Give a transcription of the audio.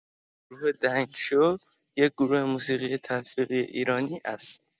گروه دنگ شو یک گروه موسیقی تلفیقی ایرانی است.